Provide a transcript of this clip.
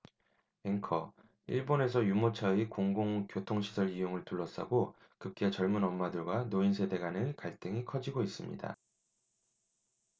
앵커 일본에서 유모차의 공공 교통시설 이용을 둘러싸고 급기야 젊은 엄마들과 노인 세대 간의 갈등이 커지고 있습니다